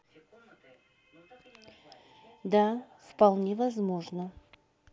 да вполне возможно